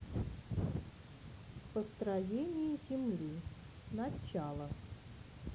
построение земли начало